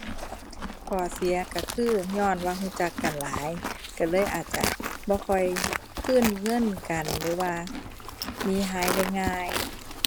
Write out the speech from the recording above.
ข้อเสียก็คือ ญ้อนว่าก็จักกันหลาย ก็เลยอาจจะบ่ค่อยคืนเงินกันหรือว่าหนีหายได้ง่าย